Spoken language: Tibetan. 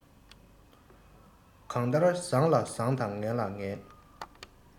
གང ལྟར བཟང ལ བཟང དང ངན ལ ངན